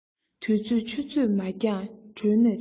དུས ཚོད ཆུ ཚོད མ འགྱངས གྲོལ ནས འགྲོ